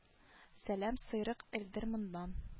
Салам сыйрак элдер моннан